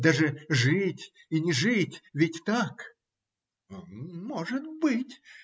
Даже жить и не жить. Ведь так? - Может быть,